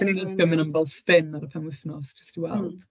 Dan ni'n licio mynd am fel spin ar y penwythnos, jyst i... mm ...weld.